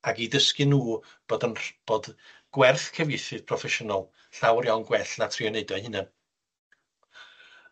ag i dysgu nw bod yn rh- bod gwerth cyfieithydd proffesiynol llawer iawn gwell na trio neud o 'u hunan.